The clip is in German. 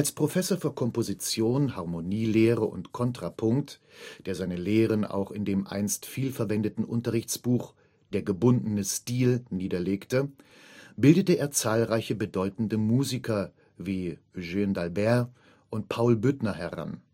Professor für Komposition, Harmonielehre und Kontrapunkt, der seine Lehren auch in dem einst viel verwendeten Unterrichtsbuch Der gebundene Styl niederlegte, bildete er zahlreiche bedeutende Musiker wie Eugen d’ Albert und Paul Büttner heran